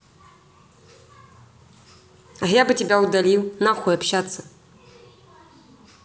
а я бы тебя удалил нахуй общаться